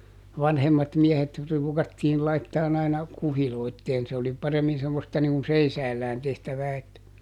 vanhemmat miehet ruukattiin laittamaan aina kuhiloitsemaan se oli paremmin semmoista niin kuin seisaallaan tehtävää että